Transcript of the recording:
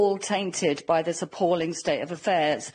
We're all tainted by this appalling state of affairs.